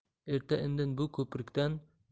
erta indin bu ko'prikdan